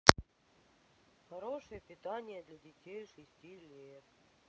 хорошее питание для детей шести лет